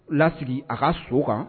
Lasigi a ka so kan